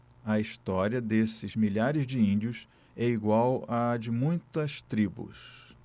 a história desses milhares de índios é igual à de muitas tribos